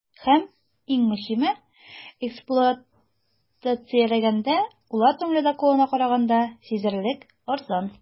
Һәм, иң мөһиме, эксплуатацияләгәндә ул атом ледоколына караганда сизелерлек арзан.